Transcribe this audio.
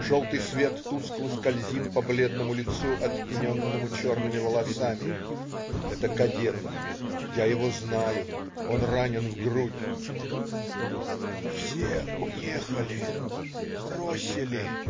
Желтый свет тускло скользит по бледному лицу, оттененному черными волосами. Это кадет. Я его знаю. Он ранен в грудь. "Все уехали. бросили.